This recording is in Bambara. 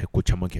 A ye ko caman kɛ